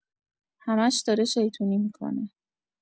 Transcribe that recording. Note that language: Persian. همش داره شیطونی می‌کنه.